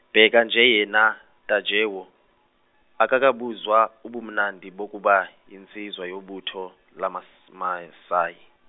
bheka nje yena Tajewo, akakabuzwa ubumnandi bokuba yinsizwa yebutho, lamas- Masayi.